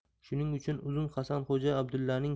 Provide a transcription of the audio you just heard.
shuning uchun uzun hasan xo'ja abdullaning